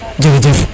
jerejef